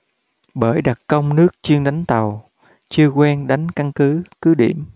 bởi đặc công nước chuyên đánh tàu chưa quen đánh căn cứ cứ điểm